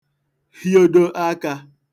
hiodo akā